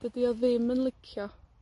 Dydi o ddim yn licio